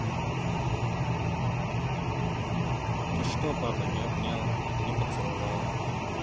ты что папа не обнял не поцеловал